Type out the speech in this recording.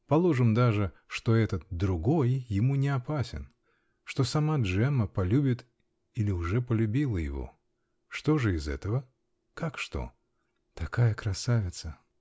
Положим даже, что этот "другой" ему не опасен, что сама Джемма полюбит или уже полюбила его. Что же из этого? Как что? Такая красавица.